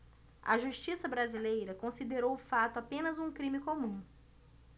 a justiça brasileira considerou o fato apenas um crime comum